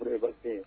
O basi